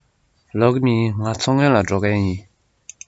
ལོག གི མིན ང མཚོ སྔོན ལ འགྲོ མཁན ཡིན